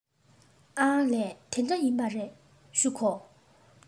ཨ ལས དེ འདྲ ཡིན པ རེད བཞུགས དགོ